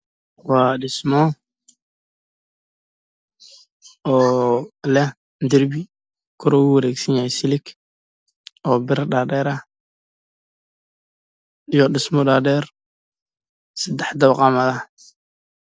Waa guri dabaq oo aada u dheer